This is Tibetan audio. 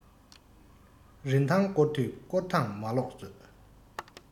རིན ཐང སྐོར དུས སྐོར ཐང མ ལོག མཛོད